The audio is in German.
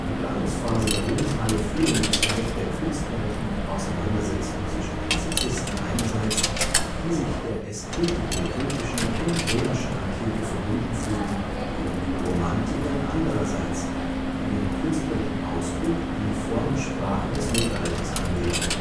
Planungsphase der Ruhmeshalle fiel in die Zeit der künstlerischen Auseinandersetzung zwischen Klassizisten einerseits, die sich der Ästhetik der griechischen und römischen Antike verbunden fühlten, und Romantikern andererseits, die ihren künstlerischen Ausdruck an die Formensprache des Mittelalters anlehnten